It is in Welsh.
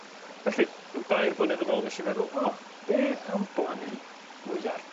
Felly ryw dair blynedd yn ôl nesh i feddwl o be' am blanu mwyar